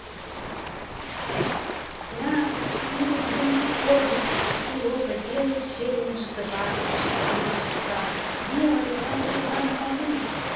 влад а четыре гренки кобиков и серега делают челендж двадцать четыре часа левая и правая рука на полу